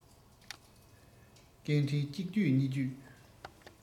སྐད འཕྲིན གཅིག བརྒྱུད གཉིས བརྒྱུད